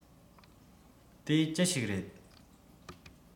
དེ ཅི ཞིག རེད